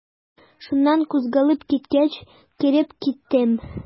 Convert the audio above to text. Шуннан кузгалып киткәч, кереп киттем.